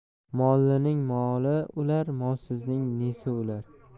mollining moli o'lar molsizning nesi o'lar